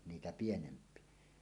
niitä pienempiä